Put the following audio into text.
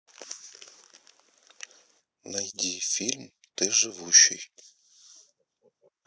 найди фильм ты живущий